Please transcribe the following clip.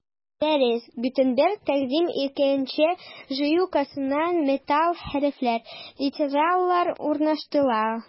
Дөрес, Гутенберг тәкъдим иткәнчә, җыю кассасына металл хәрефләр — литералар урнаштырыла.